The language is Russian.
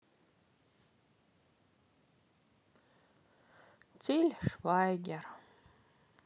тиль швайгер